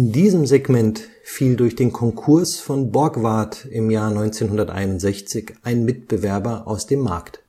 diesem Segment fiel durch den Konkurs von Borgward 1961 ein Mitbewerber aus dem Markt